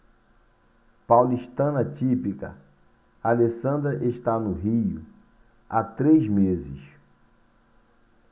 paulistana típica alessandra está no rio há três meses